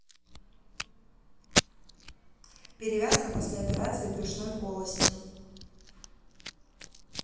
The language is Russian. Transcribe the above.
перевязка после операции брюшной полости